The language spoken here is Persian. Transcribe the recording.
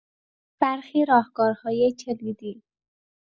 برخی راهکارهای کلیدی